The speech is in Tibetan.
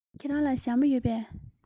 ཁྱེད རང ལ ཞྭ མོ ཡོད པས